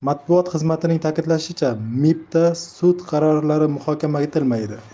matbuot xizmatining ta'kidlashicha mibda sud qarorlari muhokama etilmaydi